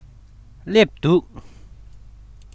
སླེབས འདུག